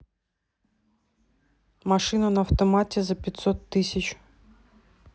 машина на автомате за пятьсот тысяч